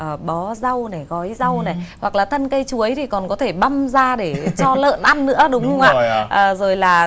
bó rau này gói rau này hoặc là thân cây chuối thì còn có thể băm ra để cho lợn ăn nữa đúng không ạ rồi là